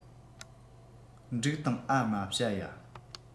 འབྲུག དང ཨ རྨ བྱ ཡ